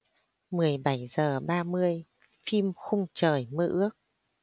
mười bảy giờ ba mươi phim khung trời mơ ước